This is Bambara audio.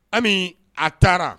Ami a taara